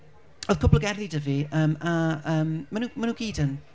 Oedd cwpl o gerddi 'da fi yym a yym, maen nhw maen nhw gyd yn...